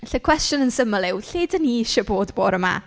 Felly y cwestiwn yn syml yw, lle dan ni isie bod bore 'ma?